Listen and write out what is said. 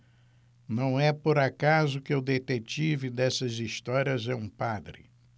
não é por acaso que o detetive dessas histórias é um padre